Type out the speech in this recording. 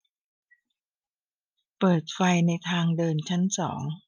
เปิดไฟในทางเดินชั้นสอง